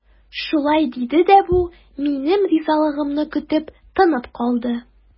Шулай диде дә бу, минем ризалыгымны көтеп, тынып калды.